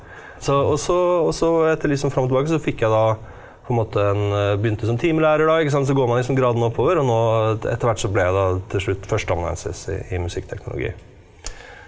så og så og så etter litt sånn fram og tilbake, så fikk jeg da på en måte en begynte som timelærer da ikke sant så går man liksom gradene oppover, og nå etter hvert så ble jeg da til slutt førsteamanuensis i i musikkteknologi .